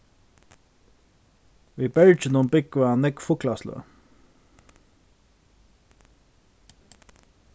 í berginum búgva nógv fuglasløg